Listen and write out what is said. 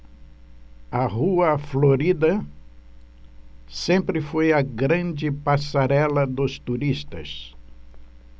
a rua florida sempre foi a grande passarela dos turistas